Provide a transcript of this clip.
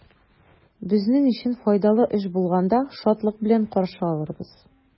Безнең өчен файдалы эш булганда, шатлык белән каршы алырбыз.